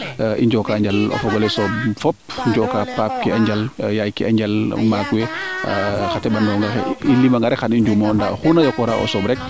i njoka njal o fogole sooɓ fop njooka paap ke a njal yaay ke a njal maak we fo xa teɓanong axe im lima nga rek xam i njuumoyo ndaa oxu na yokoora o sooɓ